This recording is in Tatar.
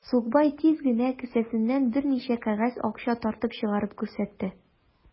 Сукбай тиз генә кесәсеннән берничә кәгазь акча тартып чыгарып күрсәтте.